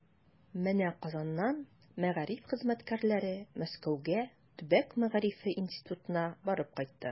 Менә Казаннан мәгариф хезмәткәрләре Мәскәүгә Төбәк мәгарифе институтына барып кайтты.